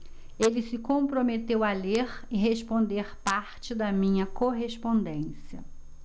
ele se comprometeu a ler e responder parte da minha correspondência